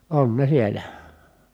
on ne siellä